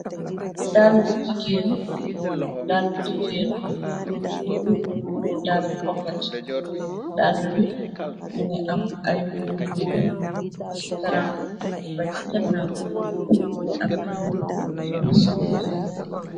Dalli jigeen, dalli jigeen yu guddu muy dalli kóket. Dalli yi mugii am ay buum si kanam baci ganaw. Mugii am kulor ru sun'ngufi bukki